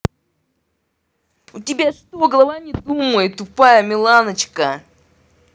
у тебя что голова не думает тупая миланочка